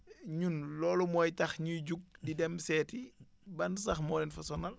ñun loolu mooy tax ñuy jug di dem seeti ban sax moo leen fa sonal